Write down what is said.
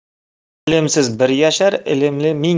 ilmsiz bir yashar ilmli ming yashar